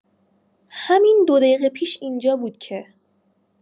همین دو دیقه پیش اینجا بود که